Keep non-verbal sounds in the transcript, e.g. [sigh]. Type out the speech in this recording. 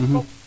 [hesitation] [hesitation]